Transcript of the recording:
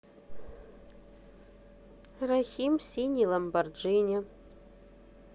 rakhim синий lamborghini